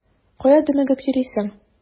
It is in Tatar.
Кая дөмегеп йөрисең?